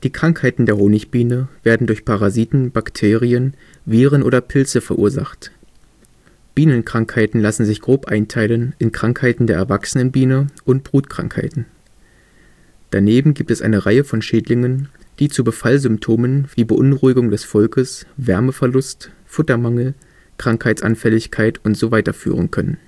Krankheiten der Honigbiene werden durch Parasiten, Bakterien, Viren oder Pilze verursacht. Bienenkrankheiten lassen sich grob einteilen in Krankheiten der erwachsenen Biene und Brutkrankheiten. Daneben gibt es eine Reihe von Schädlingen, die zu Befallsymptomen wie Beunruhigung des Volkes, Wärmeverlust, Futtermangel, Krankheitsanfälligkeit und so weiter führen können